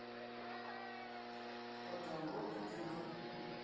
каталог игр